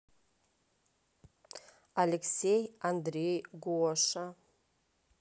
алексей андрей гоша